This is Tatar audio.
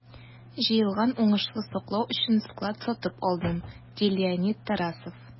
Җыелган уңышны саклау өчен склад сатып алдым, - ди Леонид Тарасов.